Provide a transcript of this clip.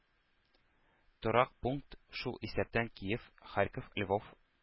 Торак пункт (шул исәптән киев, харьков, львов,